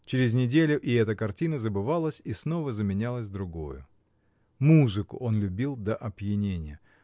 Через неделю и эта картина забывалась и снова заменялась другою. Музыку он любил до опьянения.